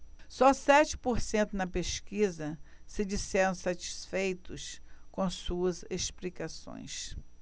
só sete por cento na pesquisa se disseram satisfeitos com suas explicações